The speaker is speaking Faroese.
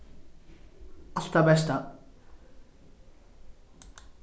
alt tað besta